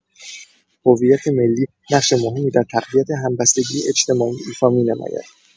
هویت ملی نقش مهمی در تقویت همبستگی اجتماعی ایفا می‌نماید.